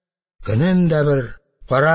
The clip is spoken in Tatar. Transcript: Көнем дә бер,